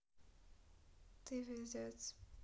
ты пиздец